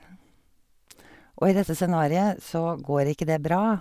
Og i dette scenariet så går ikke det bra.